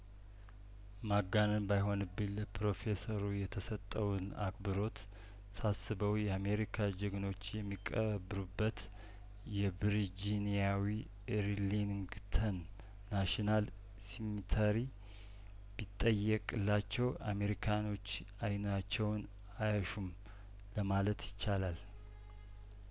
ማጋነን ባይሆንብኝ ለፕሮፌሰሩ የተሰጠውን አክብሮት ሳስበው የአሜሪካ ጀግኖች የሚቀብሩበት የቭርጂኒያዊ አር ሊንግተንናሽናል ሲሚ ተሪ ቢጠየቅላቸው አሜሪካኖች አይናቸውን አያሹም ለማለት ይቻላል